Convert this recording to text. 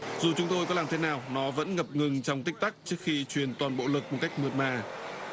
dù chúng tôi có làm thế nào nó vẫn ngập ngừng trong tích tắc trước khi truyền toàn bộ lực một cách mượt mà